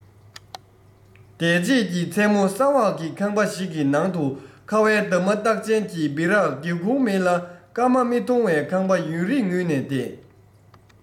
འདས རྗེས ཀྱི མཚན མོ ས འོག གི ཁང པ ཞིག གི ནང དུ ཁ བའི འདབ མ རྟགས ཅན གྱི སྦི རག སྒེའུ ཁུང མེད ལ སྐར མ མི མཐོང བའི ཁང པ ཡུན རིང ངུས ནས བསྡད